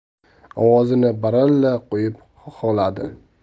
ovozini baralla qo'yib xaxoladi